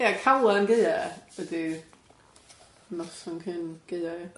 Ia Calan Gaea ydi noson cyn gaea ia?